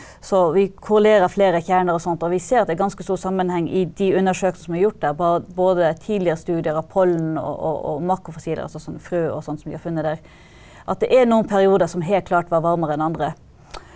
så vi korrelerer flere kjerner og sånt og vi ser at det er ganske stor sammenheng i de undersøkelsene som er gjort der, både tidligere studier av pollen og og og makk og fossiler og sånn frø og sånn som vi har funnet der at det er noen perioder som helt klart var varmere enn andre.